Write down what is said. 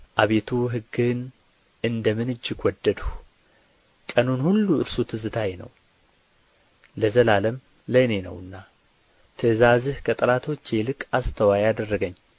አቤቱ ሕግህን እንደ ምን እጅግ ወደድሁ ቀኑን ሁሉ እርሱ ትዝታዬ ነው ለዘላለም ለእኔ ነውና ትእዛዝህ ከጠላቶቼ ይልቅ አስተዋይ አደረገኝ